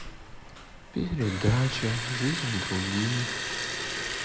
передача жизнь других